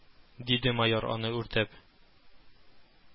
Диде майор, аны үртәп